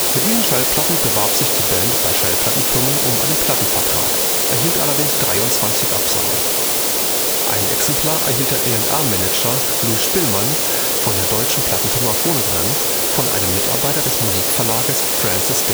Mit diesen Schallplatten bewarb sich die Band bei Schallplattenfirmen um einen Plattenvertrag, erhielt allerdings 23 Absagen. Ein Exemplar erhielt der A&R-Manager Louis Spillmann von der deutschen Plattenfirma Phonogram von einem Mitarbeiter des Musikverlages Francis